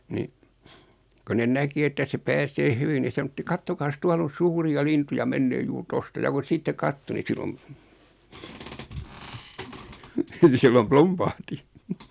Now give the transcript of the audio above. niin kun ne näki että se pääsee hyvin niin sanottiin katsokaas tuolla on suuria lintuja menee juuri tuosta ja kun sitten katsoi niin silloin niin silloin plumpahti